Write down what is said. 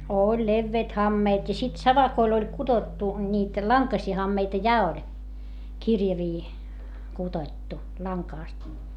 oli leveät hameet ja sitten savakoilla oli kudottu niitä lankaisia hameita ja oli kirjavia kudottu langasta